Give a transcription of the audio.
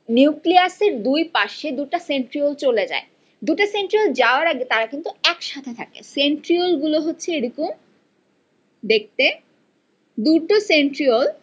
nucleus এর দুই পাশে দুটো সেন্ট্রিওল চলে যায় দুটো সেন্ট্রাল যাওয়ার আগে তারা কিন্তু একসাথে থাকে সেন্ট্রিওল গুলো হচ্ছে এরকম দেখতে দুটো সেন্ট্রিওল